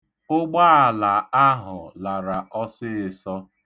Ụgbaala ahụ lara ọsịịsọ.